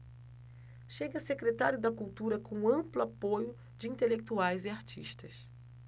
chega a secretário da cultura com amplo apoio de intelectuais e artistas